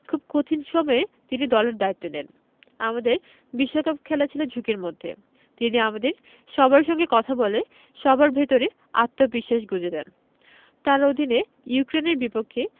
খুব কঠিন সময়ে তিনি দলের দায়িত্ব নেন আমাদের বিশ্বকাপ খেলা ছিল ঝুঁকির মধ্যে তিনি আমাদের সবার সঙ্গে কথা বলে সবার ভেতরে আত্মবিশ্বাস গুঁজে দেন তাঁর অধীনে ইউক্রেনের বিপক্ষে